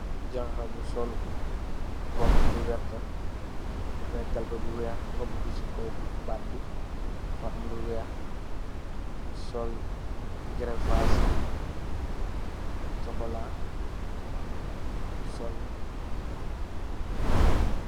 Janha bu sol rohbu bu vertah, ameh kalpeh bu wekh, rohbu bii cii kaw baat bii dafa am lu wekh, sol grefaache chocolat, sol...